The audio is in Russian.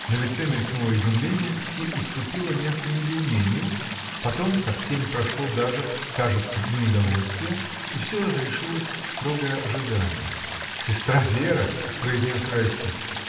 На лице мелькнуло изумление и уступило место недоумению, потом, как тень, прошло даже, кажется, неудовольствие, и всё разрешилось в строгое ожидание. — Сестра Вера! — произнес Райский.